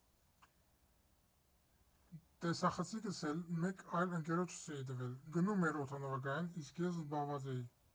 Տեսախցիկս էլ մեկ այլ ընկերոջս էի տվել, գնում էր օդանավակայան, իսկ ես զբաղված էի։